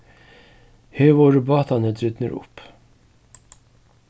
her vórðu bátarnir drignir upp